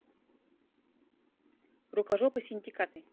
рукожопы синдикаты